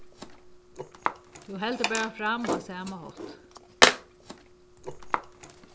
tú heldur bara fram á sama hátt